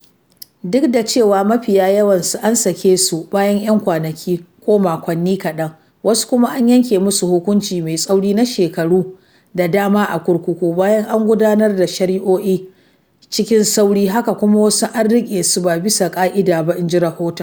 Duk da cewa mafiya yawansu an sake su bayan yan kwanaki ko makonni kadan, wasu kuma an yanke musu hukunci mai tsauri na shekaru da dama a kurkuku, bayan an gudanar da shari’o’in cikin sauri, haka kuma wasu an rike su ba bisa ka'ida ba. in ji rahoton.